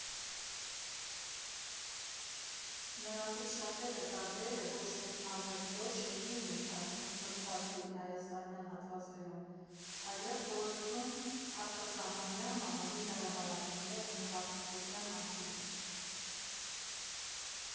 Նրանցից շատերի կադրերը ոչ միայն հազարներով շեյրի էին ենթարկվում սոցցանցերի հայաստանյան հատվածներում, այլև ուղեկցում արտասահմանյան մամուլի հրապարակումները հեղափոխության մասին։